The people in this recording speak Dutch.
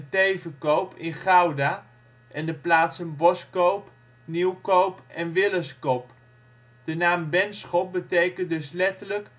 Tevecoop in Gouda en de plaatsen Boskoop, Nieuwkoop en Willeskop). De naam Benschop betekent dus letterlijk